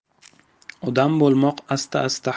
odam bo'lmoq asta asta